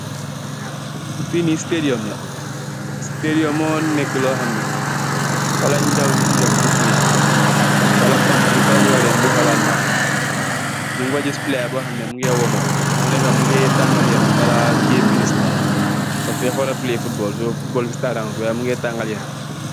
Fii nii "stadium"la,"stadium moo néékë loo xam ne falla ndaw yi di dem di taagat yaram, walla fans yi fala ñuy dem di xoolaam maage. Ñunge fa gis pilëëya boo xam ne mu ngee woom op. Moo néékë mu ngee tangal yaram balla gëëm bi "start".Paski dafa wara pilëëy.